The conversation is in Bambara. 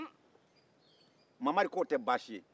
mamari k'o tɛ baasi ye